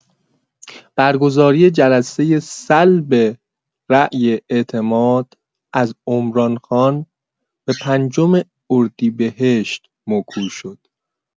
برگزاری جلسه سلب رای اعتماد از عمران خان به پنجم اردیبهشت موکول شد.